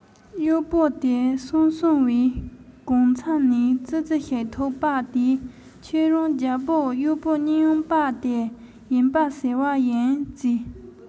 གཡོག པོ དེ སོང སོང བས གང མཚམས ནས ཙི ཙི ཞིག ཐུག པ དེས ཁྱོད རང རྒྱལ པོའི གཡོག པོ རྙིང པ དེ ཡིན པས ཟེར བ ཡིན བྱས